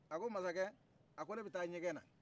a ko mansakɛ a ko ne bɛ taa ɲɛgɛn na